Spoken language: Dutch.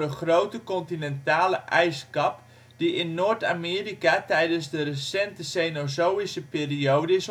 grote continentale ijskappen die in Noord-Amerika tijdens de recente Cenozoïsche periode